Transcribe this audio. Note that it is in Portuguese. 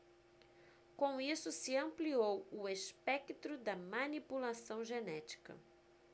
com isso se ampliou o espectro da manipulação genética